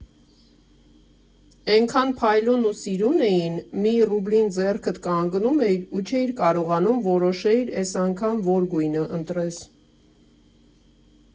Էնքան փայլուն ու սիրուն էին, մի ռուբլին ձեռքդ կանգնում էիր ու չէիր կարողանում որոշեիր՝ էս անգամ որ գույնը ընտրես։